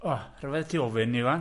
O, rhyfedd ti ofyn, Iwan.